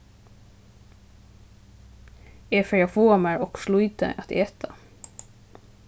eg fari at fáa mær okkurt lítið at eta